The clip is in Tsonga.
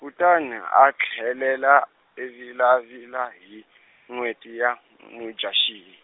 Kutani a tlhelela eVila-Vila hi, n'hweti ya, Mudyaxihi.